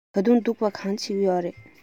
ད དུང སྡུག པ གང བྱེད ཀྱི ཡོད རས